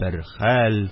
Бер хәл